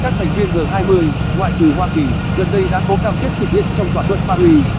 các thành viên g gần đây đã có cam kết thực hiện trong thỏa thuận paris